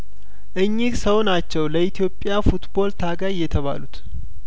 እኚህ ሰው ናቸው ለኢትዮጵያ ፉትቦል ታጋይየተባሉት